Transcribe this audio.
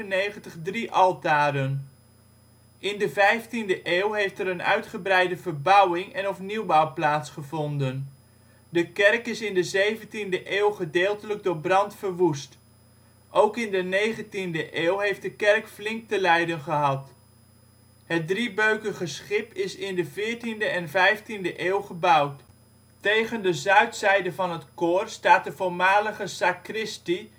1495 drie altaren. In de 15e eeuw heeft er een uitgebreide verbouwing en/of nieuwbouw plaatsgevonden. De kerk is in de 17e eeuw gedeeltelijk door brand verwoest. Ook in de 19e eeuw heeft de kerk flink te lijden gehad. Het driebeukige schip is in de 14e/15e eeuw gebouwd. Tegen de zuidzijde van het koor staat de voormalige sacristie